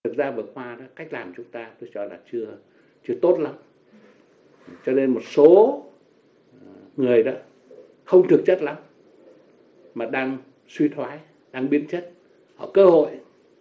thực ra vừa qua đó cách làm chúng ta tôi sợ là chưa chưa tốt lắm cho nên một số người đã không thực chất lắm mà đang suy thoái biến chất họ cơ hội